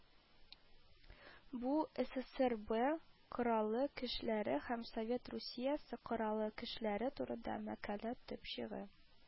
Бу ССРБ Кораллы көчләре һәм Совет Русиясе Кораллы көчләре турында мәкалә төпчеге